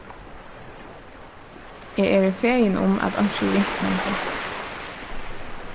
eg eri fegin um at einki ringt hendi